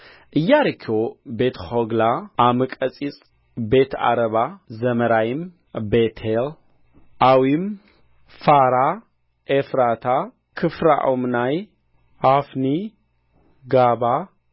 ኢያሪኮ ቤትሖግላ ዓመቀጺጽ ቤትዓረባ ዘማራይም ቤቴል ዓዊም ፋራ ኤፍራታ ክፊርዓሞናይ ዖፍኒ ጋባ